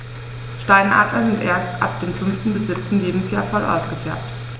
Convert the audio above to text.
Steinadler sind erst ab dem 5. bis 7. Lebensjahr voll ausgefärbt.